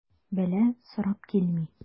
Бәла сорап килми.